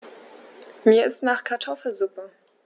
Mir ist nach Kartoffelsuppe.